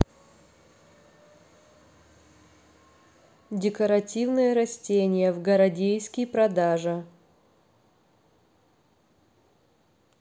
декоративные растения в городейский продажа